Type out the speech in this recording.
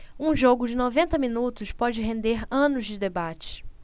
um jogo de noventa minutos pode render anos de debate